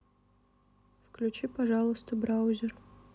включи пожалуйста браузер